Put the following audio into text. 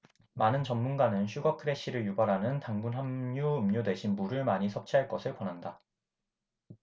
많은 전문가는 슈거 크래시를 유발하는 당분 함유 음료 대신 물을 많이 섭취할 것을 권한다